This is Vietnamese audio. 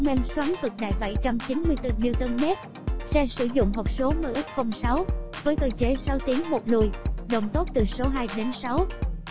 mômen xoắn cực đại n m xe sử dụng hộp số mx với cơ chế tiến lùi đồng tốc từ số đến